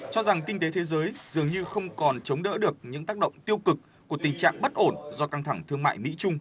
cho rằng kinh tế thế giới dường như không còn chống đỡ được những tác động tiêu cực của tình trạng bất ổn do căng thẳng thương mại mỹ trung